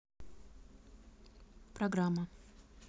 программа